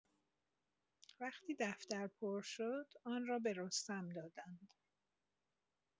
وقتی دفتر پر شد، آن را به رستم دادند.